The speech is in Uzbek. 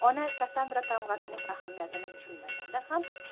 ona kassandra tamg'asining ahamiyatini tushunmaganda edi